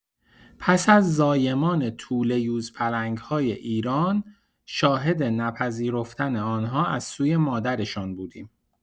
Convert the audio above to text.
پس‌از زایمان توله یوزپلنگ‌های ایران، شاهد نپذیرفتن آن‌ها از سوی مادرشان بودیم.